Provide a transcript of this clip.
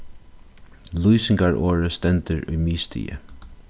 lýsingarorðið stendur í miðstigi